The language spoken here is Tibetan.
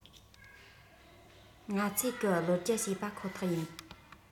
ང ཚོས གི བློ རྒྱ ཕྱེས པ ཁོ ཐག ཡིན